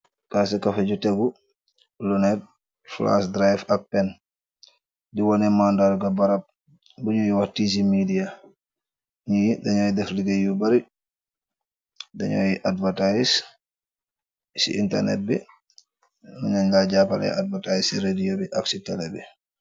Karse kafe bu tegu, lunek, flas drive ak pen, di wone màndarga barab, bu ñu yu wax TC media, ñii dañooy def liggéey yu bare, dañooy advertaise ci internet bi, mun nañ lay jàppale advertaise ci redio bi ak ci tele bi.